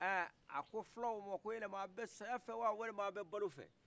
a ko fulaw ma aw bɛ saya fɛ waa aw bɛ balo fɛ